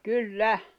kyllä